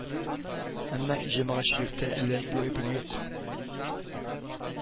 Әмма җәмәгатьчелектә әле бу әйбер юк